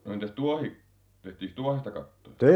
no entäs tuohi tehtiinkös tuohesta kattoja